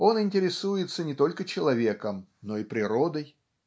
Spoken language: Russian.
Он интересуется не только человеком, но и природой.